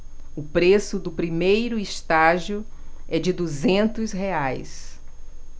o preço do primeiro estágio é de duzentos reais